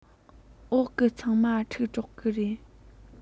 འོག གི ཚང མ འཁྲུག འགྲོ གི རེད